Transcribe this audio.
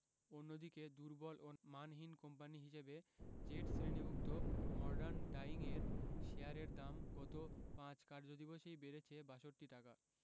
অন্যদিকে দুর্বল ও মানহীন কোম্পানি হিসেবে জেড শ্রেণিভুক্ত মর্ডান ডায়িংয়ের শেয়ারের দাম গত ৫ কার্যদিবসেই বেড়েছে ৬২ টাকা